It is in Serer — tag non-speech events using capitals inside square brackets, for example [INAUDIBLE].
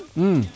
[HESITATION] [HESITATION]